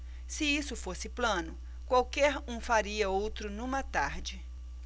se isso fosse plano qualquer um faria outro numa tarde